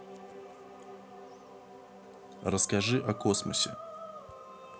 расскажи о космосе